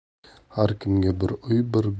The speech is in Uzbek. har kimga bir